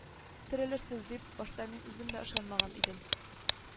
Терелерсез дип башта мин үзем дә ышанмаган идем